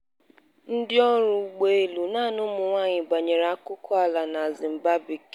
Ndịọrụ ụgbọelu naanị ụmụnwaanyị banyere akụkọala na Mozambique